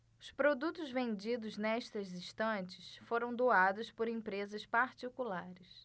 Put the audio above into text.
os produtos vendidos nestas estantes foram doados por empresas particulares